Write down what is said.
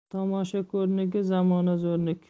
tomosha ko'rniki zamona zo'rniki